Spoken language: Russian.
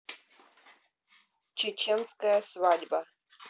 чеченская свадьба